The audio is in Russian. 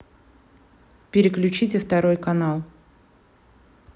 переключите второй канал